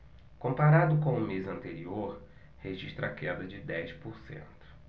comparado com o mês anterior registra queda de dez por cento